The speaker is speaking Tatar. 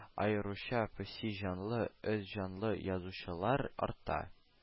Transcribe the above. Аеруча песи җанлы, эт җанлы язучылар арта